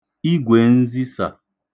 igwènzisà